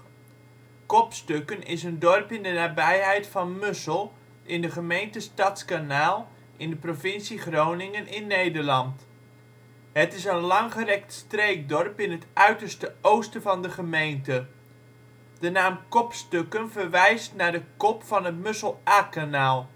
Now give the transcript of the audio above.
is een dorp in de nabijheid van Mussel in de gemeente Stadskanaal in de provincie Groningen (Nederland). Het is een langgerekt streekdorp in het uiterste oosten van de gemeente. De naam Kopstukken verwijst naar de ' kop ' van het Mussel-Aa-kanaal